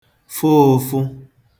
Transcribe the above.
fụ ụ̄fụ̄